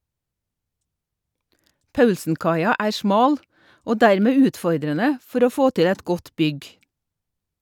Paulsenkaia er smal og dermed utfordrende for å få til et godt bygg.